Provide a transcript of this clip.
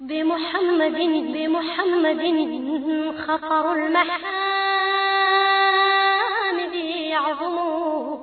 Denmumug denmuminilagɛninyan furu